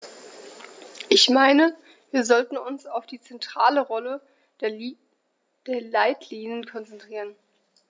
Ich meine, wir sollten uns auf die zentrale Rolle der Leitlinien konzentrieren.